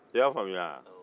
i y'a faamunya wa